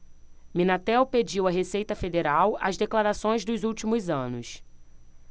minatel pediu à receita federal as declarações dos últimos anos